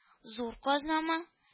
— зур казнамы